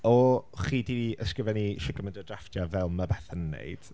O'ch chi 'di ysgrifennu shwt gymaint o drafftiau, fel ma' Bethan yn wneud?